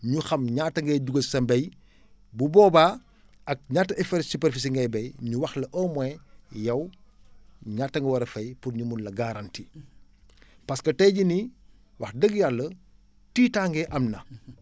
ñu xam ñaata ngay dugal sa mbéy bu boobaa ak ñaata par superficie ngay béy ñu wax la au moins yow ñaata nga war a fay pour ñu mun la garantie parce que tey jii nii wax dëgg yàlla tiitaange am na